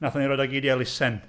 Wnaethon ni roi o gyd i elusen.